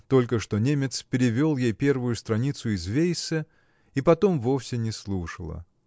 только что немец перевел ей первую страницу из Вейссе и потом вовсе не слушала.